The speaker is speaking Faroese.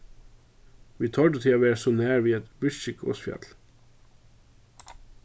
vit tordu tí at vera so nær við eitt virkið gosfjall